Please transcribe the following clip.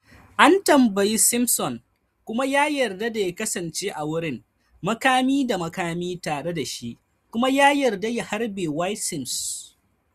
An tambayi Simpson kuma ya yarda da kasancewa a wurin, makami da makami tare da shi, kuma ya yarda ya harbi Wayde Sims.